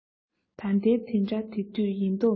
ད ལྟའི དེ འདྲ དེ དུས ཡིན མདོག མེད